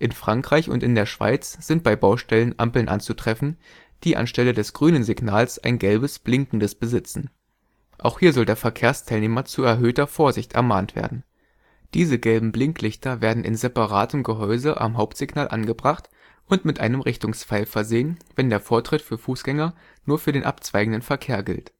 Frankreich und in der Schweiz sind bei Baustellen Ampeln anzutreffen, die an Stelle des grünen Signals ein gelbes, blinkendes besitzen. Auch hier soll der Verkehrsteilnehmer zu erhöhter Vorsicht ermahnt werden. Diese gelben Blinklichter werden in separatem Gehäuse am Hauptsignal angebracht und mit einem Richtungspfeil versehen, wenn der Vortritt für Fußgänger nur für den abzweigenden Verkehr gilt